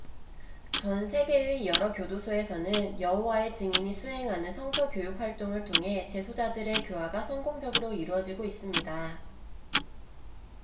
전 세계의 여러 교도소에서는 여호와의 증인이 수행하는 성서 교육 활동을 통해 재소자들의 교화가 성공적으로 이루어지고 있습니다